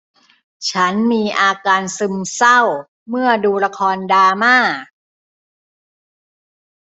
ฉันมีอาการซึมเศร้าเมื่อดูละครดราม่า